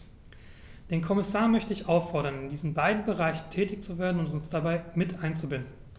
Den Kommissar möchte ich auffordern, in diesen beiden Bereichen tätig zu werden und uns dabei mit einzubinden.